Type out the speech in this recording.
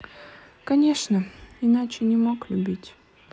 конечно иначе не мог любить